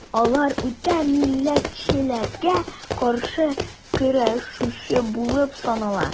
Алар үтә милләтчеләргә каршы көрәшүче булып санала.